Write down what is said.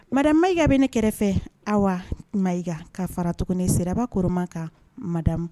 Madame Maîga bɛ ne kɛrɛfɛ Awa Maîga ka fara tuguni Siraba Koroma kan